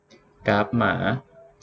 กราฟหมา